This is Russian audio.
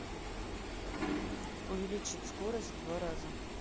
увеличить скорость в два раза